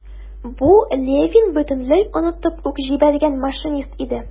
Бу - Левин бөтенләй онытып ук җибәргән машинист иде.